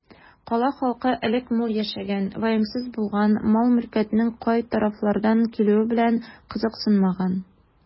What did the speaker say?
Кала халкы элек мул яшәгән, ваемсыз булган, мал-мөлкәтнең кай тарафлардан килүе белән кызыксынмаган.